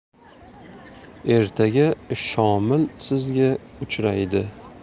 ertaga shomil sizga uchraydi